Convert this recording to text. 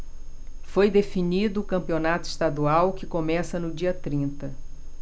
foi definido o campeonato estadual que começa no dia trinta